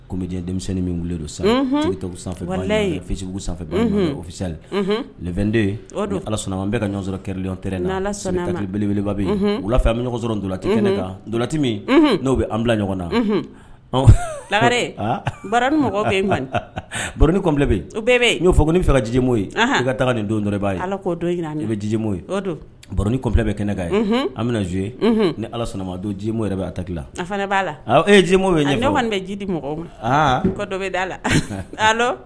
Tun bɛ denmisɛnnin min weele don san sanfɛ sanfɛ osali 2den don ala sɔnnama bɛɛ ka ɲɔgɔn sɔrɔ kɛ tɛ neleba bɛ wula bɛ ɲɔgɔn sɔrɔ donnati kɛnɛ kan donti min n'o bɛ an bila ɲɔgɔn na ɔ larein mɔgɔinfilɛ bɛ yen bɛɛ bɛ y'o fɔ koin fɛ ka jimo ye ka nin don dɔ' ye ala kɔdɔ ne bɛ jijimo yein kɔnlɛ bɛ kɛnɛ neka ye an bɛna zoye ni ala sɔnnama donjimo yɛrɛ b bɛ a taki a fana b' la e ye ji ye ne jidi mɔgɔ dɔ bɛ da la